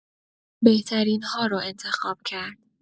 بهترین هارو انتخاب کرد